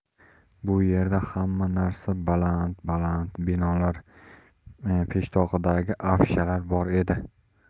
bu yerda hamma narsa baland baland binolar peshtoqidagi afishalar bor edi